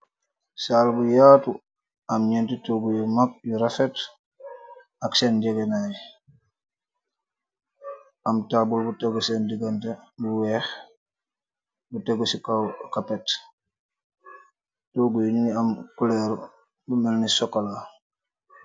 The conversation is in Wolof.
Saaal bu yaatu, am njenti tohgu yu mak, yu rafet ak sen njeh ngeh naii, am taabul bu tehgu sen diganteh bu wekh, bu tehgu ci kaw carpet, tohgu yii njungy am couleur bu melni chocolat.